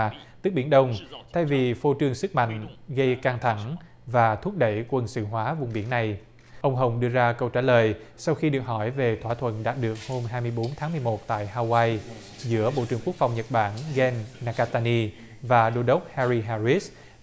tức biển đông thay vì phô trương sức mạnh gây căng thẳng và thúc đẩy quân sự hóa vùng biển này ông hồng đưa ra câu trả lời sau khi được hỏi về thỏa thuận đạt được hôm hai mươi bốn tháng mười một tại ha goai giữa bộ trưởng quốc phòng nhật bản gien na ka ta ni và đô đốc ha ri ha rít